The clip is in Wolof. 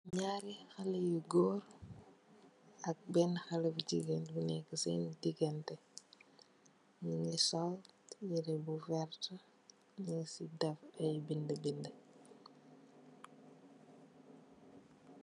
Nyari haleh yu gorr ak bena haleh bu gigain buneka sen tiganteh Mungi sol yerreh bu werrteh nyung sey def i binda binda.